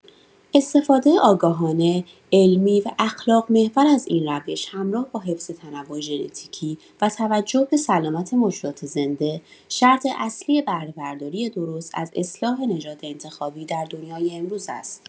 استفاده آگاهانه، علمی و اخلاق‌محور از این روش، همراه با حفظ تنوع ژنتیکی و توجه به سلامت موجودات زنده، شرط اصلی بهره‌برداری درست از اصلاح نژاد انتخابی در دنیای امروز است.